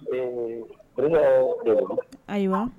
Ayiwa